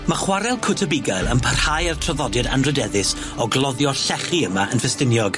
Ma' chwarel Cwt y Bugail yn parhau â'r traddodiad anrydeddus o gloddio llechi yma yn Ffestiniog.